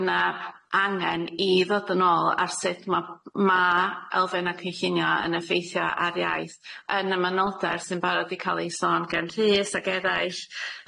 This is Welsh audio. yna angen i ddod yn ôl ar sut ma' ma' elfena cynllunio yn effeithio ar iaith yn y manylder sy'n barod i ca'l ei sôn gan Rhys ag eraill,